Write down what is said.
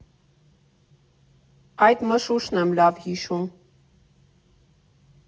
Այդ մշուշն եմ լավ հիշում։